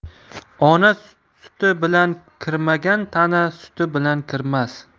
ona suti bilan kirmagan tana suti bilan kirmas